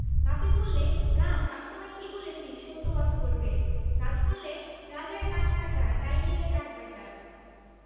নাপিত বললে গাছ আমি তোমায় কী বলেছি সত্য কথা বলবে গাছ বললে ‘রাজার কান কাটা তাই নিলে কাক ব্যাটা